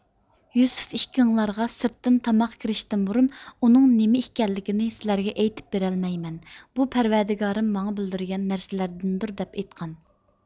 يۈسۈف ئىككىڭلارغا سىرتتىن تاماق كىرىشتىن بۇرۇن ئۇنىڭ نېمە ئىكەنلىكىنى سىلەرگە ئېيتىپ بېرەلەيمەن بۇ پەرۋەردىگارىم ماڭا بىلدۈرگەن نەرسىلەردىندۇر دەپ ئېيىتقان